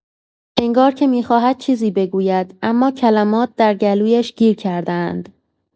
انگار که می‌خواهد چیزی بگوید، اما کلمات در گلویش گیر کرده‌اند.